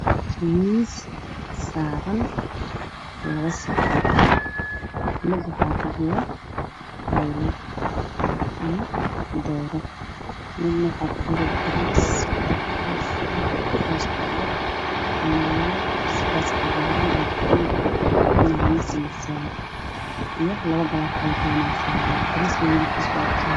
Waa saxan cadaan waxaa ku jira bariis kalarkiisu yahay jaale saxanaak waa caadad